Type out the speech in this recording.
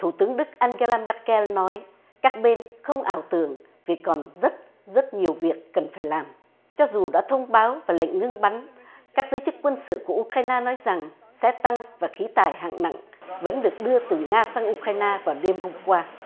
thủ tướng đức an cơ na mác ke nói các bên không ảo tưởng vì còn rất rất nhiều việc cần phải làm cho dù đã thông báo và lệnh ngưng bắn các giới chức quân sự cũ u cờ rai na nói rằng xe tăng và khí tài hạng nặng vẫn được đưa từ nga sang u cờ rai na vào đêm hôm qua